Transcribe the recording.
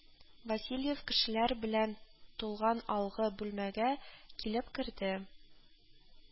Васильев кешеләр белән тулган алгы бүлмәгә килеп керде